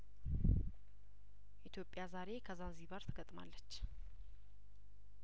ኢትዮጵያዛሬ ከዛንዚባርት ገጥማለች